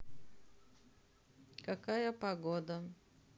какая погода